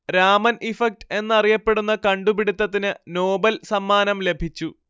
Raman effect എന്നറിയപ്പെടുന്ന കണ്ടുപിടിത്തത്തിന് Nobel സമ്മാനം ലഭിച്ചു